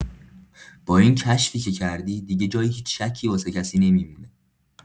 با این کشفی که کردی، دیگه جای هیچ شکی واسه کسی نمی‌مونه.